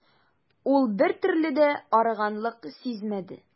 Ул бертөрле дә арыганлык сизмәде.